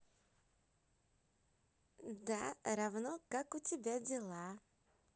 da равно как у тебя дела